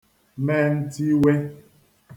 me ntiwē